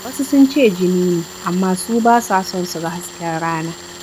Wasu sun ce jini ne amma su ba sa son su ga hasken rana